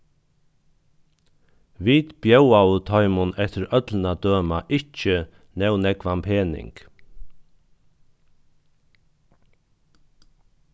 vit bjóðaðu teimum eftir øllum at døma ikki nóg nógvan pening